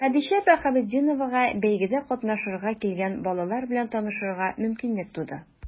Хәдичә Баһаветдиновага бәйгедә катнашырга килгән балалар белән танышырга мөмкинлек туды.